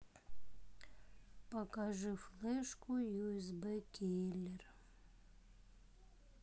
покажи флешку юсб киллер